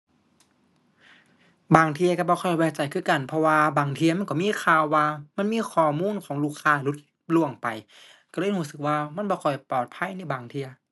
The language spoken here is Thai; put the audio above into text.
บางเที่ยก็บ่ค่อยไว้ใจคือกัน เพราะว่าบางเที่ยมันก็มีข่าวว่ามันมีข้อมูลของลูกค้าหลุดร่วงไป ก็เลยก็สึกว่ามันบ่ค่อยปลอดภัยในบางเที่ย